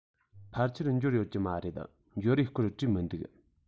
ཕལ ཆེར འབྱོར ཡོད ཀྱི མ རེད འབྱོར བའི སྐོར བྲིས མི འདུག